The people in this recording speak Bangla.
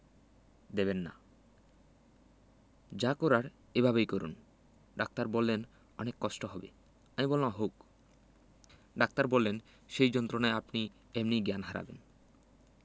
দেবেন না যা করার এভাবেই করুন ডাক্তার বললেন অনেক কষ্ট হবে আমি বললাম হোক ডাক্তার বললেন সেই যন্ত্রণায় আপনি এমনি জ্ঞান হারাবেন